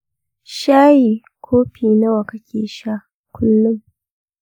shayi kopi nawa kake sha kullum?